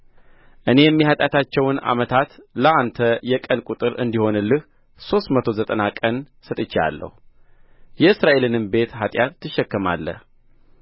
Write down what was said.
እኔም የኃጢአታቸውን ዓመታት ለአንተ የቀን ቍጥር እንዲሆንልህ ሦስት መቶ ዘጠና ቀን ሰጥቼሃለሁ የእስራኤልንም ቤት ኃጢአት ትሸከማለህ